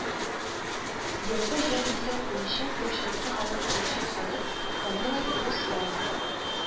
Елгы җанисәп буенча күпчелекне алып торучы халык: комилар, руслар